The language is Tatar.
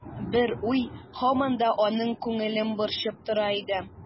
Бер уй һаман да аның күңелен борчып тора иде.